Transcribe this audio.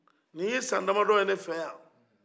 ni ye e sandamadɔ ye ne fɛ yan